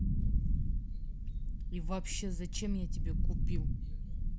и вообще зачем я тебе купил